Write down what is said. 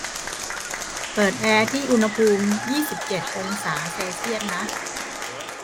เปิดแอร์ที่อุณหภูมิยี่สิบเจ็ดองศาเซลเซียสนะ